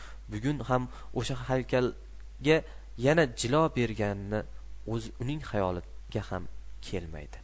bugun ham o'sha haykalga yana jilo bergani uning xayoliga ham kelmaydi